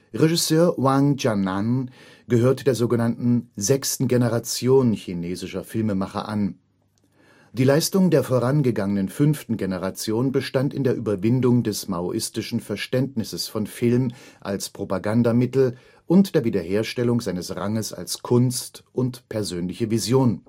Regisseur Wang Quan'an gehört der so genannten „ sechsten Generation “chinesischer Filmemacher an. Die Leistung der vorangegangenen fünften Generation bestand in der Überwindung des maoistischen Verständnisses von Film als Propagandamittel und der Wiederherstellung seines Ranges als Kunst und persönliche Vision